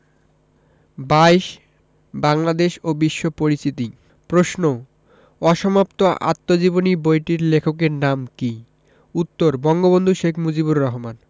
২২ বাংলাদেশ ও বিশ্ব পরিচিতি প্রশ্ন অসমাপ্ত আত্মজীবনী বইটির লেখকের নাম কী উত্তর বঙ্গবন্ধু শেখ মুজিবুর রহমান